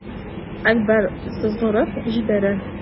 Әкбәр сызгырып җибәрә.